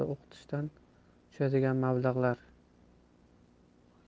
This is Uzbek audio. o'qitishdan tushadigan mablag'lar